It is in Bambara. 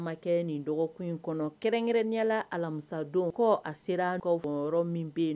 Kɛ nin dɔgɔkun in kɔnɔ kɛrɛnkɛrɛnnenyala alamisa don kɔ a sera an kɔ yɔrɔ min bɛ yen